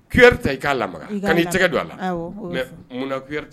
Ta i k'a la kan'i tɛgɛ don a la mɛ munnauna ta